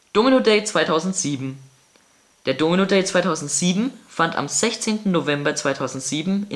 Domino Day 2007 Der Domino Day 2007 fand am 16. November 2007